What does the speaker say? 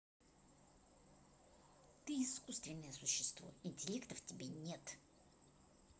ты искусственное существо интеллекта в тебе нет